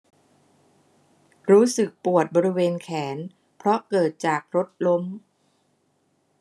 รู้สึกปวดบริเวณแขนเพราะเกิดจากรถล้ม